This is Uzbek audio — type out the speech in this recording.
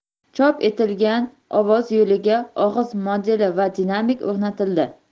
chop etilgan ovoz yo'liga og'iz modeli va dinamik o'rnatildi